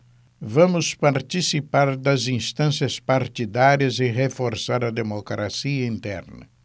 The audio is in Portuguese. vamos participar das instâncias partidárias e reforçar a democracia interna